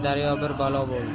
daryo bir balo bo'ldi